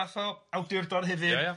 fath o awdurdod hefyd. Ia ia.